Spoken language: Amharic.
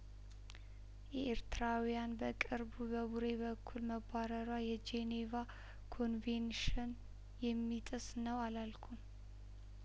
የኤርትራውያን በቅርቡ በቡሬ በኩል መባረሯ የጄኔቫ ኮንቬንሽን የሚጥስ ነው አላልኩም